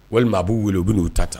Walima a b'u wele u bɛ n'u ta